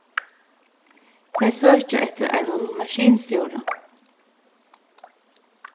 tey søkja eftir einum maskinstjóra